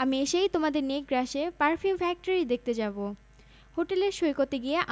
তিনি তখন ব্যাংককে